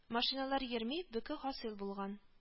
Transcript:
Машиналар йөрми, бөке хасыйл булган